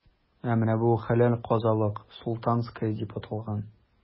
Ә менә бу – хәләл казылык,“Султанская” дип аталган.